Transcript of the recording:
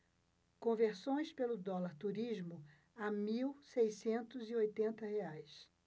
conversões pelo dólar turismo a mil seiscentos e oitenta reais